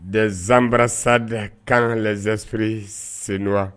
De n zanrasa de kan zesri sen wa